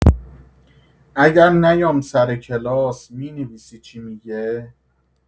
اگر نیام سر کلاس می‌نویسی چی می‌گه؟